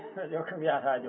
ɗo kam yahat hajumum